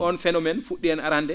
oon phénoméne fu??i en arande